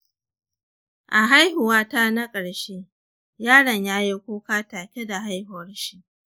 a haihuwata na karshe, yaron yayi kuka take da haihuwar shi.